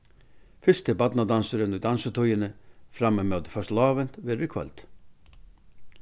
fyrsti barnadansurin í dansitíðini fram móti føstulávint verður í kvøld